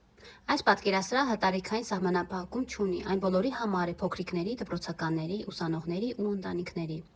Այս պատկերասրահը տարիքային սահմանափակում չունի, այն բոլորի համար է՝ փոքրիկների, դպրոցականների, ուսանողների ու ընտանիքների։